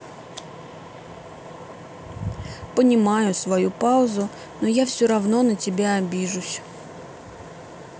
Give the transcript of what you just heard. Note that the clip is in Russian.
понимаю свою паузу но я все равно на тебя обижусь